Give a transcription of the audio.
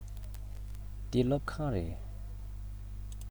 འདི སློབ ཁང རེད